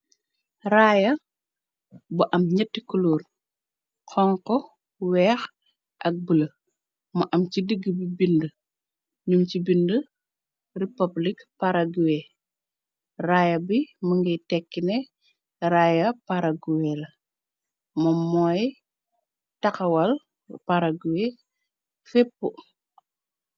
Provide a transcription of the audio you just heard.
Raya bu am ñetti kuluur xonko weex ak bulë mu am ci digg bi bind ñum ci bind repoblik parague raaya bi më ngay tekkine raya paragué la moom mooy taxawal paragué fepp